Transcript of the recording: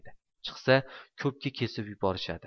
chiqsa ko'pga kesib yuborishadi